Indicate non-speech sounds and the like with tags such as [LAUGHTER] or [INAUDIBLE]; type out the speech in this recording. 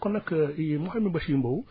kon nga [HESITATION] Mouhamed Bachir Mbow